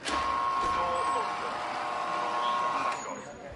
Door open. Drws ar agor.